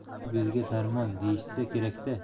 pul belga darmon deyishsa kerakda